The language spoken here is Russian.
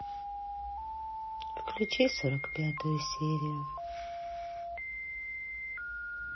включи сорок пятую серию